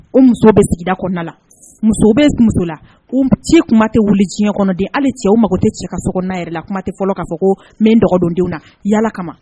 O muso bɛ sigida kɔnɔna na muso bɛ muso la ci kuma tɛ wuli diɲɛ kɔnɔ di hali cɛ o mago tɛ ci ka so yɛrɛ la kuma tɛ fɔlɔ k kaa fɔ ko min dɔgɔdondenw na yala kama